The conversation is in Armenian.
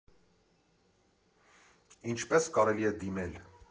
Ինչպե՞ս կարելի է դիմել։